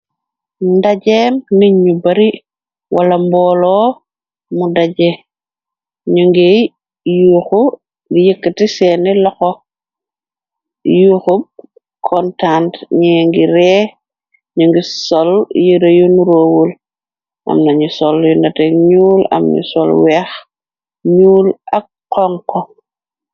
Ndajeem niñ ñu bari, wala mbooloo mu daje, ñu ngi yuuxu yëkkati seeni laxo, yuuxub kontant. Ñee ngi ree, ñu ngi sol yirëyun . amnañu sol yu nate ñuul, amñu sol weex ñuul ak xonko.